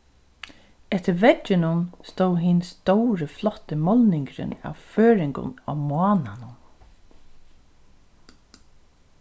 eftir vegginum stóð hin stóri flotti málningurin av føroyingum á mánanum